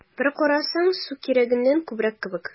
Бер карасаң, су кирәгеннән күбрәк кебек: